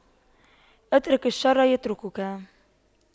اترك الشر يتركك